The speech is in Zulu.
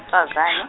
sifazane .